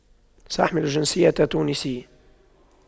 سأحمل الجنسية التونسية